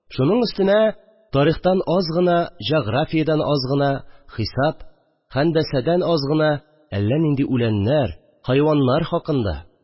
Уның өстенә тарихтан аз гына, җәгърафиядән аз гына, хисап, һәндәсәдән аз гына, әллә нинди үләннәр, хайваннар хакында